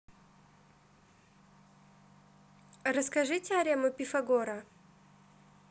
расскажи теорему пифагора